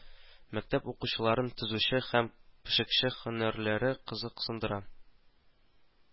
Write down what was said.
Мәктәп укучыларын төзүче һәм пешекче һөнәрләре кызыксындыра